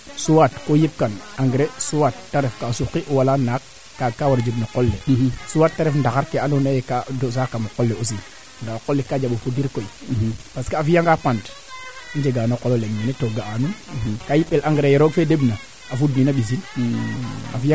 a taxo watin keene so ke jirñooroog na koy a fi'in nam o lor kin cegel mayu kaa mola taa yo njega tee maa ndefna njega tee maa ñaamit na mene to keene waralun wiin we yoon anga amba ngaƴa koɓale meete rend in a ta njirñuwa na koɓale na njambeteeyo a yoon kaaga ref tiye